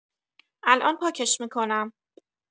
الان پاکش می‌کنم